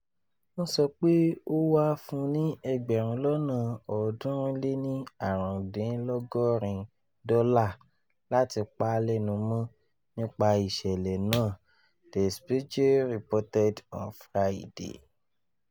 Wọn sọ pé ó wá fún ní $375,000 láti pa á lẹ́nu mọ́ nípa ìṣẹ̀lẹ̀ náà, Der Spiegel reported on Friday.